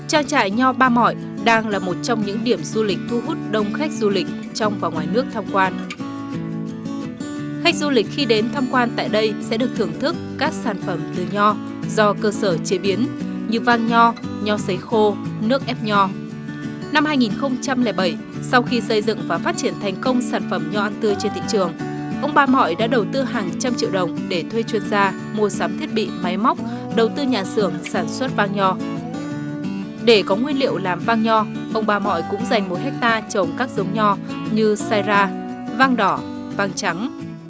trang trại nho ba mọi đang là một trong những điểm du lịch thu hút đông khách du lịch trong và ngoài nước tham quan khách du lịch khi đến tham quan tại đây sẽ được thưởng thức các sản phẩm từ nho do cơ sở chế biến như vang nho nho sấy khô nước ép nho năm hai nghìn không trăm lẻ bảy sau khi xây dựng và phát triển thành công sản phẩm nho ăn tươi trên thị trường ông ba mọi đã đầu tư hàng trăm triệu đồng để thuê chuyên gia mua sắm thiết bị máy móc đầu tư nhà xưởng sản xuất vàng nhỏ để có nguyên liệu làm vang nho ông ba mọi cũng dành một héc ta trồng các giống nho như say ra vang đỏ vàng trắng